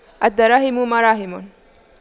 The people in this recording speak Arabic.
الدراهم مراهم